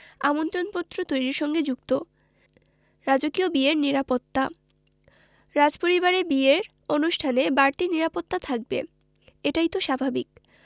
আমন্ত্রণপত্র তৈরির সঙ্গে যুক্ত রাজকীয় বিয়ের নিরাপত্তা রাজপরিবারের বিয়ের অনুষ্ঠানে বাড়তি নিরাপত্তা থাকবে এটাই তো স্বাভাবিক